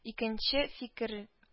Икенче фикер